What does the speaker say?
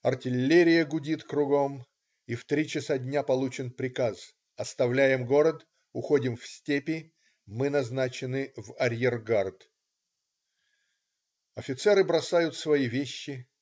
Артиллерия гудит кругом, и в три часа дня получен приказ: оставляем город, уходим в степи. мы назначены в арьергард. Офицеры бросают свои вещи.